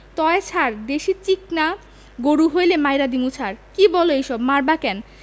তয় ছার দেশি চিকনা গরু হইলে মাইরা দিমু ছার কী বলো এইসব মারবা কেন